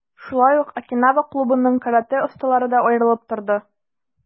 Шулай ук, "Окинава" клубының каратэ осталары да аерылып торды.